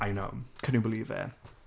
I know, can you believe it?